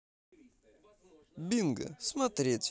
бинго смотреть